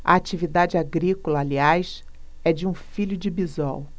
a atividade agrícola aliás é de um filho de bisol